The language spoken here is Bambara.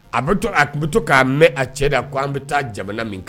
A bɛ to k'a, a tun bɛ to k'a mɛn a cɛ da k' an bɛ taa jamana min kan